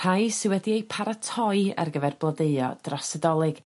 rhai sy wedi eu paratoi ar gyfer blodeuo dros y 'Ddolig.